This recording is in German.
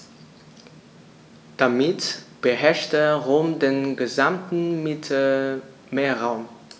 Damit beherrschte Rom den gesamten Mittelmeerraum.